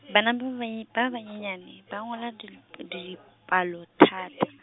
bana ba ba nye-, ba ba nyenyane, ba ngola dilip-, dipalo thata.